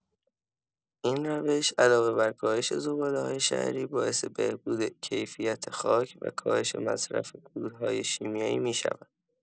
این روش علاوه بر کاهش زباله‌های شهری، باعث بهبود کیفیت خاک و کاهش مصرف کودهای شیمیایی می‌شود.